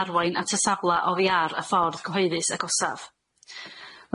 arwain at y safla oddi ar y ffordd cyhoeddus agosaf.